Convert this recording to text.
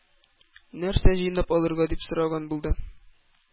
-нәрсә җыйнап алырга? - дип сораган булды.